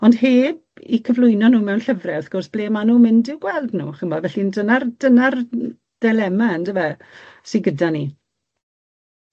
On' heb 'u cyflwyno nw mewn llyfre wrth gwrs ble ma' nw'n mynd i'w gweld nw ch'mo'. Felly dyna'r dyna'r n- dilema yndyfe sy gyda ni.